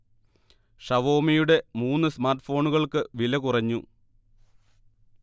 ഷാവോമിയുടെ മൂന്ന് സ്മാർട്ഫോണുകൾക്ക് വില കുറഞ്ഞു